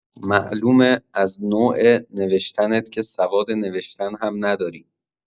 معلومه از نوع نوشتنت که سواد نوشتن هم نداری